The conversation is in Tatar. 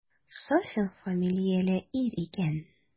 Сафин фамилияле ир икән.